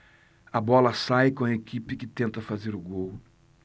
a bola sai com a equipe que tenta fazer o gol